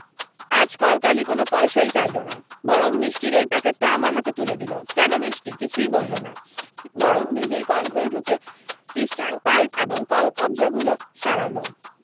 আজ কলকালি কোনো পয়সাই চাইলো না বরং মিষ্টির এই প্যাকেটটা আমার হাতে তুলে দিল কেন মিষ্টি কিছুই বললো না বরং নিজই কলঘরে ঢুকে সিষ্টারন পাইপ এবং কলকব্জাগুলো সারালো